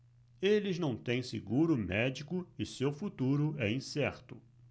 eles não têm seguro médico e seu futuro é incerto